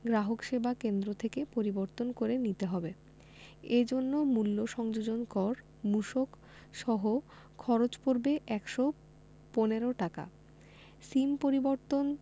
গ্রাহকসেবা কেন্দ্র থেকে পরিবর্তন করে নিতে হবে এ জন্য মূল্য সংযোজন কর মূসক সহ খরচ পড়বে ১১৫ টাকা সিম পরিবর্তন